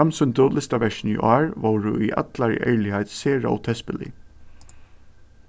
framsýndu listaverkini í ár vóru í allari ærligheit sera ótespilig